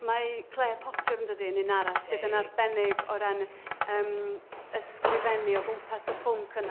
Mae Clare Potter yn dydi yn un arall... ydi. ...sydd yn arbennig o ran yym ysgrifennu o gwmpas y pwnc yna.